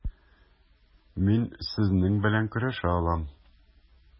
Мин сезнең белән көрәшә алам.